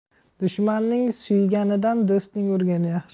dushmanning suyganidan do'stning urgani yaxshi